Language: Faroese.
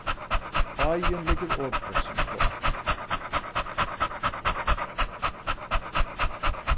áin liggur opin sum kloakk